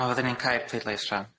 A oedden ni'n cau'r pleidlais rŵan?